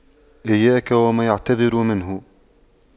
إياك وما يعتذر منه